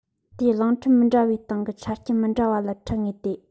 དེ གླིང ཕྲན མི འདྲ བའི སྟེང གི ཆ རྐྱེན མི འདྲ བ ལ འཕྲད ངེས ཏེ